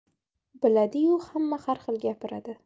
biladi yu hamma har xil gapiradi